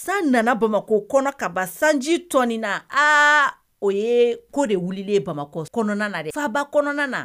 San nana bamakɔ kɔnɔ kaba sanji tɔɔnin na aa o ye ko de wuli bamakɔ kɔnɔna na de faba kɔnɔna na